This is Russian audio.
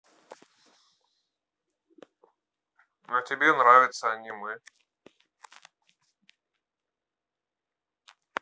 а тебе нравится аниме